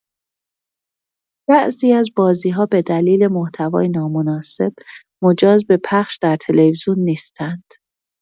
بعضی از بازی‌ها به دلیل محتوای نامناسب مجاز به پخش در تلویزیون نیستند.